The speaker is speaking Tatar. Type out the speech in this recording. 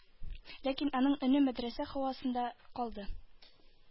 Ләкин аның өне мәдрәсә һавасында калды.